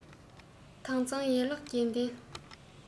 དྭངས གཙང ཡན ལག བརྒྱད ལྡན